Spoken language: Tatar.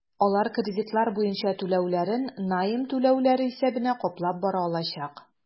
Алар кредитлар буенча түләүләрен найм түләүләре исәбенә каплап бара алачак.